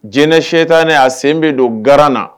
Diɲɛyɛnyita ne a sen bɛ don garan na